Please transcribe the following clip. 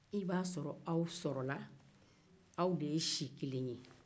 i b'a sɔrɔ aw sɔrɔ la aw de ye si kelen ye